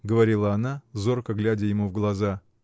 — говорила она, зорко глядя ему в глаза.